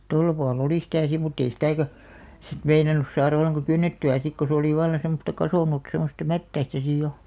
tuolla puolen oli sitä sitten mutta ei sitäkään sitten meinannut saada ollenkaan kynnettyä sitten kun se oli vallan semmoista kasvanut semmoista mättäistä sitten jo